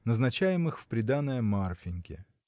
, назначаемых в приданое Марфиньке.